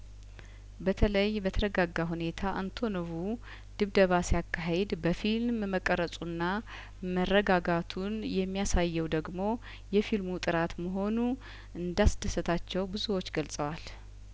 በተለይ በተረጋጋ ሁኔታ አንቶኖቩ ድብደባ ሲያካሂድ በፊልም መቀረጹና መረጋጋቱን የሚያሳየው ደግሞ የፊልሙ ጥራት መሆኑ እንዳስደሰታቸው ብዙዎች ገልጸዋል